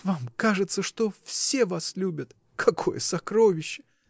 — Вам кажется, что все вас любят: какое сокровище!